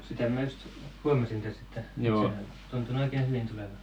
sitä minä just huomasin tässä että sehän tuntui nyt oikein hyvin tulevan